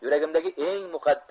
yuragimdagi eng muqaddas